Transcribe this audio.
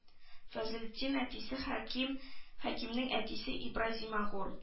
Фазылетдиннең әтисе хәким хәкимнең әтисе ибрай зимагур